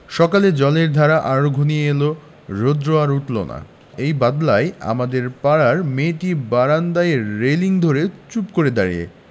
সকালে জলের ধারা আরো ঘনিয়ে এল রোদ্র আর উঠল না এই বাদলায় আমাদের পাড়ার মেয়েটি বারান্দায় রেলিঙ ধরে চুপ করে দাঁড়িয়ে